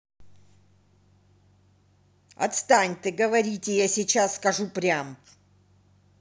отстань ты говорите я сейчас скажу прям